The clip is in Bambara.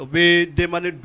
U bɛ den don